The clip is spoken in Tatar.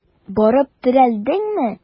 Барып терәлдеңме?